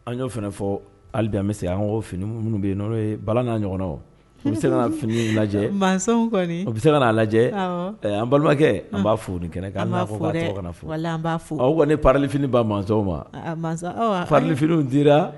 An y'o fana fɔ hali an bɛ se an fini minnu bɛ yen n'o ye bala n' ɲɔgɔn u bɛ se fini lajɛ bɛ se ka n'a lajɛ an balimakɛ an b'a fɔ nin kɛnɛ k' fo fɔa aw wa ne palifini ba masaw malifini di